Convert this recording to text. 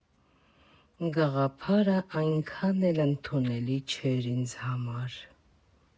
Գաղափարը այնքան էլ ընդունելի չէր ինձ համար։